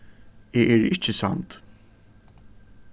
eg eri ikki samd